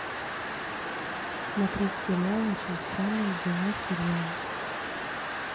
смотреть сериал очень странные дела сериал